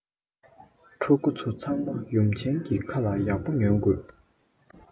ཕྲུ གུ ཚོ ཚང མ ཡུམ ཆེན གྱི ཁ ལ ཡག པོ ཉན དགོས